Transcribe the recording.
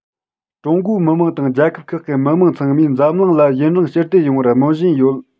ཀྲུང གོའི མི དམངས དང རྒྱལ ཁབ ཁག གི མི དམངས ཚང མས འཛམ གླིང ལ ཡུན རིང ཞི བདེ ཡོང བར སྨོན བཞིན ཡོད